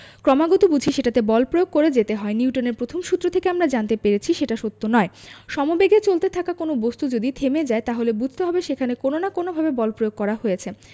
ক্রমাগত বুঝি সেটাতে বল প্রয়োগ করে যেতে হয় নিউটনের প্রথম সূত্র থেকে আমরা জানতে পেরেছি সেটা সত্যি নয় সমবেগে চলতে থাকা কোনো বস্তু যদি থেমে যায় তাহলে বুঝতে হবে সেখানে কোনো না কোনোভাবে বল প্রয়োগ করা হয়েছে